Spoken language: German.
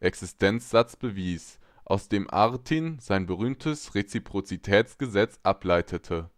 Existenzsatz bewies, aus dem Artin sein berühmtes Reziprozitätsgesetz ableitete.